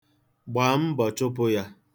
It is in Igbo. Gbaa mbọ chụpụ ya.